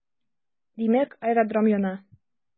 Димәк, аэродром яна.